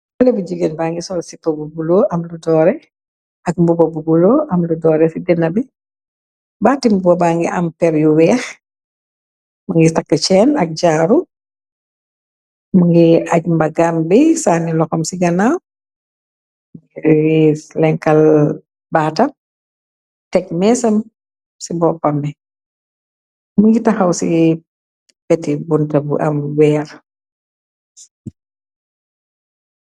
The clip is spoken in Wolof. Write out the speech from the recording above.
Haleh bu jigéen ba ngi sol sipa bu bulo am lu doore ak muba bu bulo am lu doore se dina bi baatimbo ba ngi am per yu weex mu ngi takk ceen ak jaaru mu ngiy aj mbagam bi sanni loxam ci ganaaw mngirris lenkal baatam teg meesam ci boppam bi mu ngi taxaw ci beti bunta bu am weer.